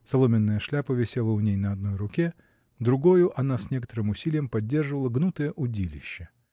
соломенная шляпа висела у ней на одной руке, -- другою она с некоторым усилием поддерживала гнуткое удилище.